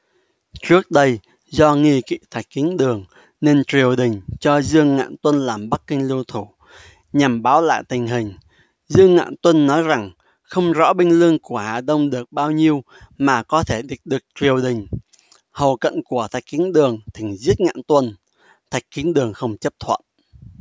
trước đây do nghi kị thạch kính đường nên triều đình cho dương ngạn tuân làm bắc kinh lưu thủ nhằm báo lại tình hình dương ngạn tuân nói rằng không rõ binh lương của hà đông được bao nhiêu mà có thể địch được triều đình hầu cận của thạch kính đường thỉnh giết ngạn tuân thạch kính đường không chấp thuận